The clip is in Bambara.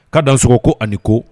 Ka dan sogo ko ani ko